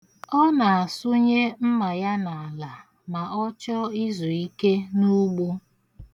Ọ na-asunye mma ya n'ala ma ọ chọ izu ike n'ugbo.